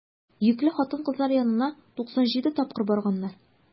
Йөкле хатын-кызлар янына 97 тапкыр барганнар.